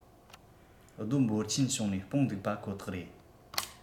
རྡོ འབོར ཆེན བྱུང ནས སྤུངས འདུག པ ཁོ ཐག རེད